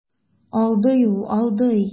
Алдый ул, алдый.